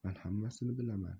man hammasini bilaman